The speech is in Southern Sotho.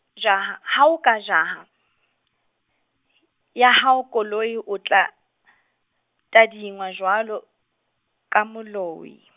jaha, ha o ka jaha, ya hao koloi, o tla, tadingwa jwalo, ka moloi.